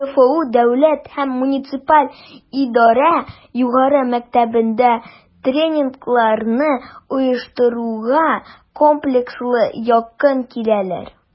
КФУ Дәүләт һәм муниципаль идарә югары мәктәбендә тренингларны оештыруга комплекслы якын киләләр: